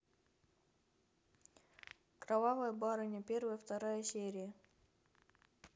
кровавая барыня первая вторая серия